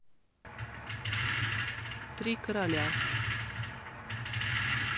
три короля